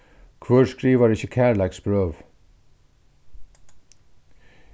hvør skrivar ikki kærleiksbrøv